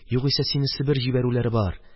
Югыйсә сине Себер җибәрүләре бар.